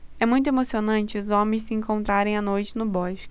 é muito emocionante os homens se encontrarem à noite no bosque